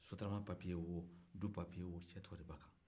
sotarama papiye o du papiye o cɛ tɔgɔ de b'a bɛɛ kan